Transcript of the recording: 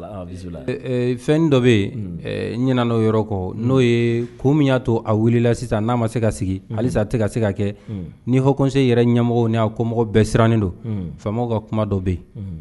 Wala, bisimillah Fɛn nin dɔ bɛ yen, unhun, n ɲinɛ na o yɔrɔ kɔ n'o ye ko min y'a to a wulila sisan n'a ma se ka sigi, unhun, hali a tɛ ka se ka kɛ ni haut conseil yɛrɛ ɲɛmɔgɔ n'a kɔmɔgɔw bɛɛ sirannen don, unhun faama ka kuma dɔ bɛ yen, unhun.